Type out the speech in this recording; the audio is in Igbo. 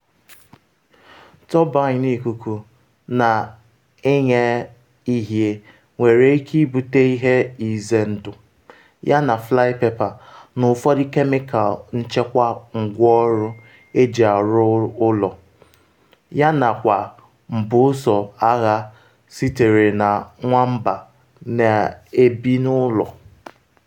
Turbine Ikuku na inye ihie nwere ike ibute ihe ize ndụ, yana flypaper na ụfọdụ kemikal nchekwa ngwaọrụ eji arụ ụlọ, yana kwa mbuso agha sitere na nwamba na-ebi n’ụlọ.